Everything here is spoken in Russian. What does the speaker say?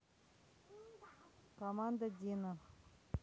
команда дино